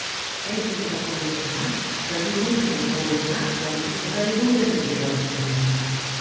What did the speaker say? Ләкин документына «Габидуллина» урынына ялгыш «Гобәйдуллина» дип язып куйганнар.